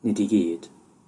nid i gyd,